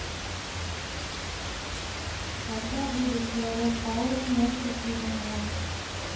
когда выйдет человек паук нет пути домой